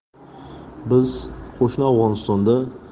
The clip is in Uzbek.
biz qo'shni afg'onistonda